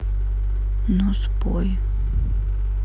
ну спой